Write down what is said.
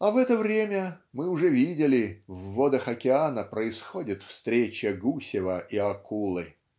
а в это время (мы уже видели) в водах океана происходит встреча Гусева и акулы.